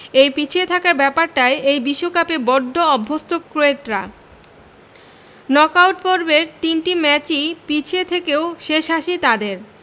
এই পিছিয়ে থাকার ব্যাপারটায় এই বিশ্বকাপে বড্ড অভ্যস্ত ক্রোয়েটরা নক আউট পর্বের তিনটি ম্যাচই পিছিয়ে থেকেও শেষ হাসি তাদের